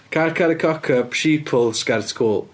Car caru cock up, Sheeple, sgert cwl.